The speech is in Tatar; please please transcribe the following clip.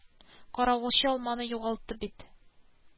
Синоптиклар явым-төшем фаразламый.